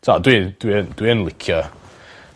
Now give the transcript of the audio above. t'wo' dwi dwi yn dwi yn licio